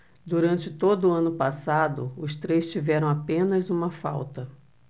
durante todo o ano passado os três tiveram apenas uma falta